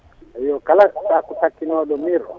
eyyo kala saku takkinoɗo mur o